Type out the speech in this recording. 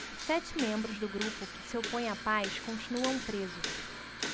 sete membros do grupo que se opõe à paz continuam presos